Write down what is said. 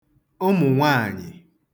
ụmụ̀nwaanyị